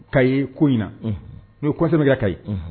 Ka ye ko in n' ye kɔ kosɛbɛya ka ɲi